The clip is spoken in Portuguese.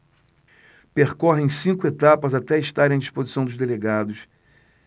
percorrem cinco etapas até estarem à disposição dos delegados